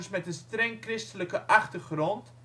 streng-christelijke achtergrond